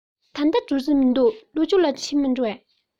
ད ལྟ འགྲོ རྩིས མི འདུག ལོ མཇུག ལ ཕྱིན མིན འགྲོ